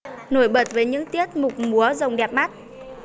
nổi bật với những tiết mục múa rồng đẹp mắt